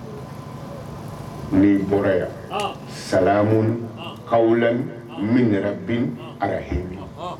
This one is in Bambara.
N bɔra yan samu ka min bin arahimi